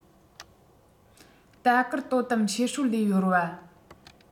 ལྟ སྐུལ དོ དམ བྱེད སྲོལ ལས གཡོལ བ